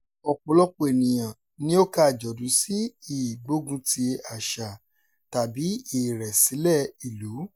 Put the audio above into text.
Ọ̀pọ̀lọpọ̀ ènìyàn ni ó ka àjọ̀dún sí "ìgbógunti àṣà" tàbí "ìrẹ̀sílẹ̀ ìlú".